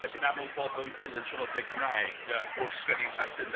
Felly yn amlwg bod o'n dilyn traddodiad Cymraeg... ia. ...wrth sgwennu yn Lladin de.